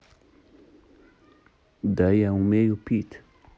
да я умею петь